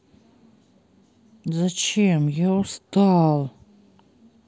зачем я устал